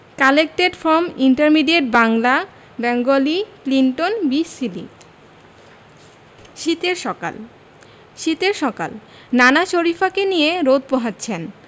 collected from intermediate Bangla Bengali Clinton B Seely শীতের সকাল শীতের সকাল নানা শরিফাকে নিয়ে রোদ পোহাচ্ছেন